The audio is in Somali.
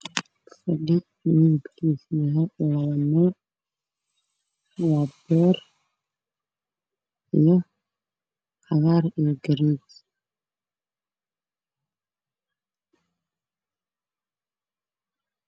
Meeshaan waxaa ka muuqdo fadhi midabkiisa yahay labo nooc oo ah beer iyo cagaar